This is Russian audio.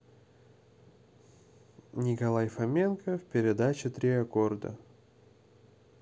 николай фоменко в передаче три аккорда